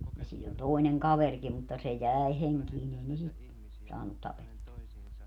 ja siinä oli toinen kaverikin mutta se jäi henkiin ei ne sitä saanut tapettua